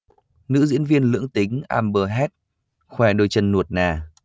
nữ diễn viên lưỡng tính amber heard khoe đôi chân nuột nà